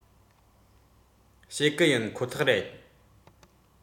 བྱེད གི ཡིན ཁོ ཐག རེད